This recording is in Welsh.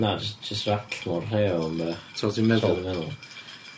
Na jyst jyst ratlo'r 'ma. Tra wt ti'n meddwl. Tra fi meddwl.